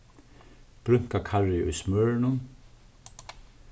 brúnka karry í smørinum